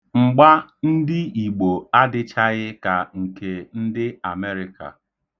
Mgba ndị Igbo adịchaghị ka nke ndị Amerịka.